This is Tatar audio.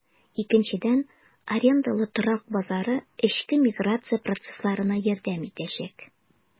Икенчедән, арендалы торак базары эчке миграция процессларына ярдәм итәчәк.